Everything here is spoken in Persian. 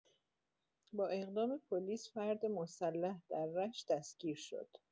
با اقدام پلیس فرد مسلح در رشت دستگیر شد!